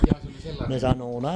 jaa se oli sellainen nimitys